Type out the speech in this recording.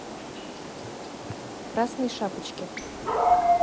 красной шапочке